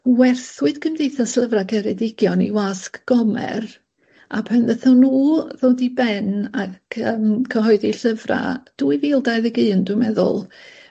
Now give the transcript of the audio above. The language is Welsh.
werthwyd Cymdeithas Lyfra' Ceredigion i wasg Gomer a pan ddathon nw ddod i ben ac yym cyhoeddi llyfra', dwy fil dau ddeg un dwi'n meddwl